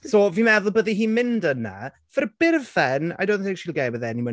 So fi'n meddwl bydda hi'n mynd yna, for a bit of fun, I don't think she'll get with anyone...